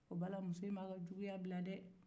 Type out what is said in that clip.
o b'a la muso in m'a wa juguya bila dɛɛ